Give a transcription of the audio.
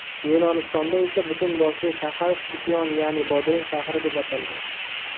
yunonistonda esa butun boshli shahar sikion ya'ni bodring shahri deb atalgan